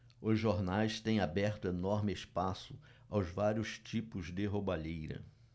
os jornais têm aberto enorme espaço aos vários tipos de roubalheira